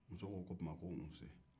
muso ko o tuma ko nse